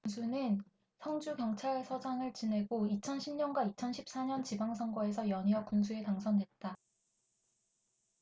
김 군수는 성주경찰서장을 지내고 이천 십 년과 이천 십 사 년 지방선거에서 연이어 군수에 당선됐다